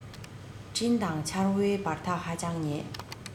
སྤྲིན དང ཆར བའི བར ཐག ཧ ཅང ཉེ